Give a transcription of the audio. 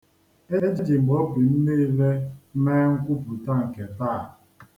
E ji m obi m niile mee nkwuputa nke taa.